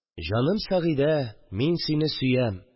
«җаным, сәгыйдә... мин сине сөям...»